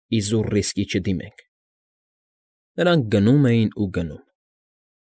Իզուր ռիսկի չդիմենք։ Նրանք գնում էին ու գնում։